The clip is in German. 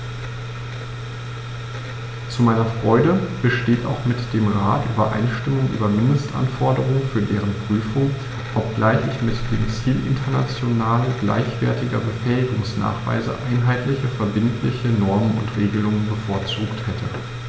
Zu meiner Freude besteht auch mit dem Rat Übereinstimmung über Mindestanforderungen für deren Prüfung, obgleich ich mit dem Ziel international gleichwertiger Befähigungsnachweise einheitliche verbindliche Normen und Regelungen bevorzugt hätte.